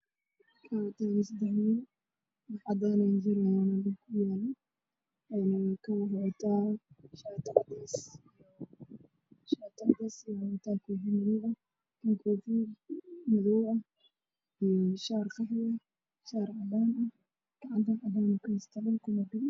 Meeshan waxaa iga muuqda saddex nin waxay fiirinayaan meel cad waxayna wataan dhar jaalo guduud iyo baluga